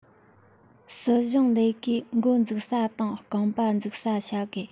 སྲིད གཞུང ལས ཀའི འགོ ཚུགས ས དང རྐང པ ཚུགས ས བྱ དགོས